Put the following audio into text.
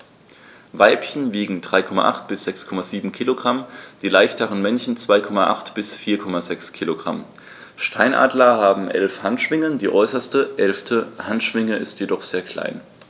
Weibchen wiegen 3,8 bis 6,7 kg, die leichteren Männchen 2,8 bis 4,6 kg. Steinadler haben 11 Handschwingen, die äußerste (11.) Handschwinge ist jedoch sehr klein.